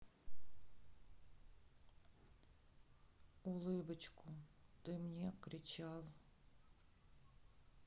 улыбочку ты мне кричал